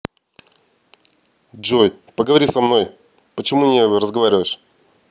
джой поговори со мной почему не разговариваешь